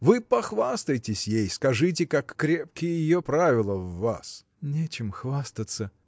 Вы похвастайтесь ей: скажите, как крепки ее правила в вас. — Нечем хвастаться!